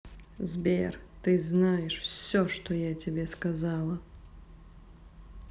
сбер ты знаешь все что я тебе сказала